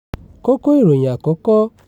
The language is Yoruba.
Kókó ìròyìn àkọ́kọ́